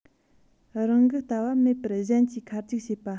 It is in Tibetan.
རང གི ལྟ བ མེད པར གཞན གྱི ཁ རྒྱུག བྱེད པ